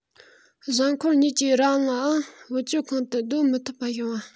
གཟའ འཁོར གཉིས ཀྱི རིང ལའང བུ བཅོལ ཁང དུ སྡོད མི ཐུབ པ བྱུང